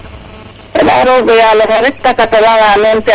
xenda roga yaloxe rek te katanala nuun